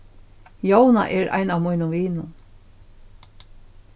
jóna er ein av mínum vinum